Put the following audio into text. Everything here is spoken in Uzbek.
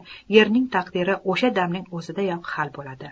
yerning taqdiri o'sha damning o'zidayoq hal bo'ladi